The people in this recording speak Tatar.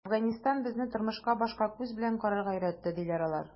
“әфганстан безне тормышка башка күз белән карарга өйрәтте”, - диләр алар.